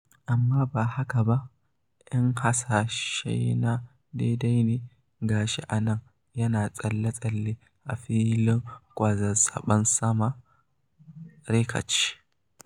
Amma ba haka ba, in hasashena daidai ne, ga shi a nan yana tsalle-tsalle a filin kwazazzaban saman Rekcha.